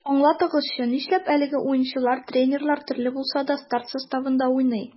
Аңлатыгызчы, нишләп әлеге уенчылар, тренерлар төрле булса да, старт составында уйный?